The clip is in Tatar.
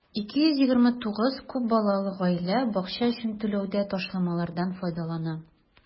229 күп балалы гаилә бакча өчен түләүдә ташламалардан файдалана.